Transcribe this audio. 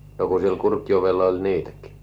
no kun siellä Kurkijoella oli niitäkin